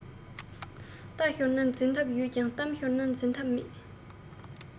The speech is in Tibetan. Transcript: རྟ ཤོར ན འཛིན ཐབས ཡོད ཀྱང གཏམ ཤོར ན འཛིན ཐབས མེད